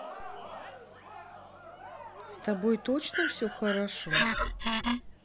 с тобой точно все хорошо